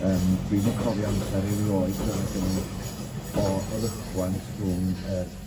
Yym dwi'm yn cofio amser erioed pry' o' 'na gymaint o rychwant rhwng yr